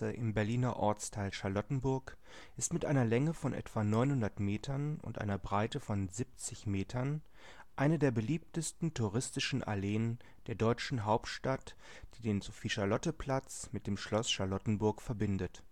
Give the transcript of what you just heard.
im Berliner Ortsteil Charlottenburg ist mit einer Länge von etwa 900 Metern und einer Breite von 70 Metern eine der beliebtesten touristischen Alleen der deutschen Hauptstadt, die den Sophie-Charlotte-Platz mit dem Schloss Charlottenburg verbindet